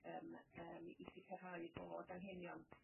Yym yym i sicrhau fod anghenion